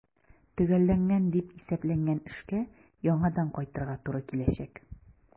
Төгәлләнгән дип исәпләнгән эшкә яңадан кайтырга туры киләчәк.